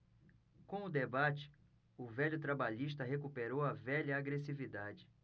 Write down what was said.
com o debate o velho trabalhista recuperou a velha agressividade